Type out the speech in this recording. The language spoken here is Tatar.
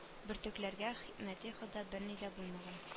Бөртекләргә хикмәти хода берни дә булмаган